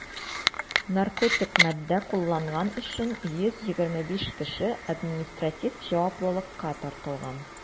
Наркотик матдә кулланган өчен 125 кеше административ җаваплылыкка тартылган.